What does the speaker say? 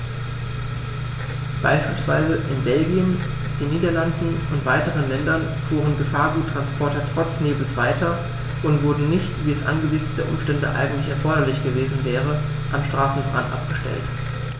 Beispielsweise in Belgien, den Niederlanden und weiteren Ländern fuhren Gefahrguttransporter trotz Nebels weiter und wurden nicht, wie es angesichts der Umstände eigentlich erforderlich gewesen wäre, am Straßenrand abgestellt.